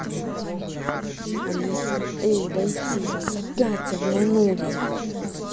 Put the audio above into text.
алиса эй бойцы вас опять обманули